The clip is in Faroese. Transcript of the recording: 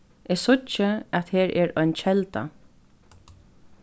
eg síggi at her er ein kelda